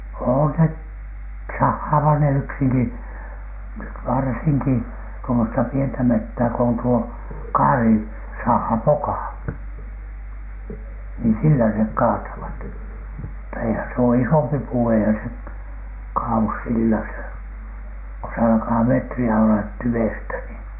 on se sahaavat ne yksinkin varsinkin tuommoista pientä metsää kun on tuo - kaarisaha poka niin sillä ne kaatavat mutta eihän se ole isompi puu eihän se kaadu sillä se kun se alkaa metriä olla tyvestä niin